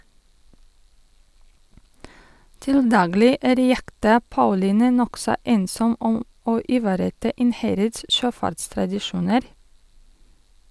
Til daglig er jekta "Pauline" nokså ensom om å ivareta Innherreds sjøfartstradisjoner.